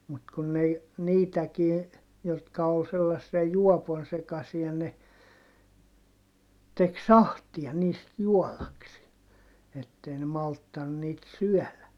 mutta kun ne ei niitäkin jotka oli sellaisia juopon sekaisia ne teki sahtia niistä juodakseen että ei ne malttanut niitä syödä